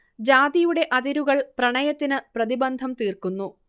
ജാതിയുടെ അതിരുകൾ പ്രണയത്തിന് പ്രതിബന്ധം തീർക്കുന്നു